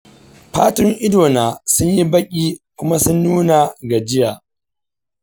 fatun idona sunyi baƙi kuma sun nuna gajiya.